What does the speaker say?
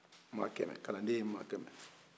kalanden ye maa kɛmɛ